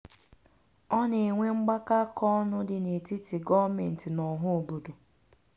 Ọ na-ewe mgbakọakaọnụ dị n'etiti gọọmentị na ọha obodo.